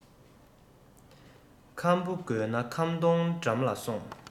ཁམ བུ དགོས ན ཁམ སྡོང འགྲམ ལ སོང